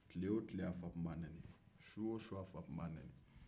su o su tile o tile a fa tun b'a nɛni